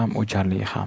o'jarligi ham